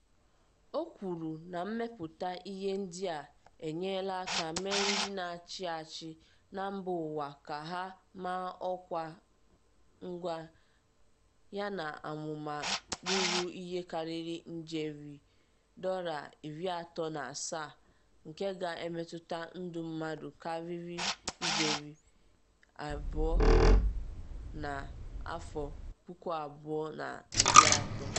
O kwuru na mmepụta ihe ndị a enyerela aka mee ndị na-achị achị na mba ụwa ka ha maa ọkwa nkwa yana amụma ruru ihe karịrị ijeri $37, nke ga-emetụta ndụ mmadụ karịrị ijeri 2.25 na 2030.